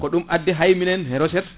ko ɗum addi hay minen he recherche